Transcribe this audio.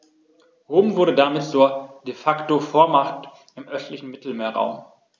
Rom wurde damit zur ‚De-Facto-Vormacht‘ im östlichen Mittelmeerraum.